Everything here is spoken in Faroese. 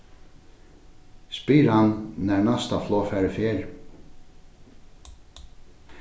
spyr hann nær næsta flogfarið fer